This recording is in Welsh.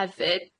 hefyd.